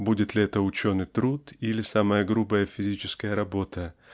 будет ли это ученый труд или самая грубая физическая работа